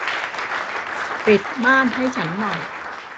ปิดม่านให้ฉันหน่อย